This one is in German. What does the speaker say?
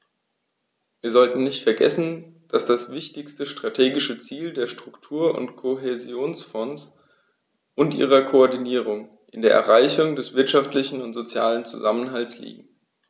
Wir sollten nicht vergessen, dass das wichtigste strategische Ziel der Struktur- und Kohäsionsfonds und ihrer Koordinierung in der Erreichung des wirtschaftlichen und sozialen Zusammenhalts liegt.